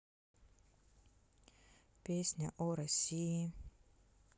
песня о россии